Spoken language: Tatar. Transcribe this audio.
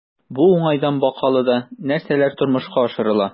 Бу уңайдан Бакалыда нәрсәләр тормышка ашырыла?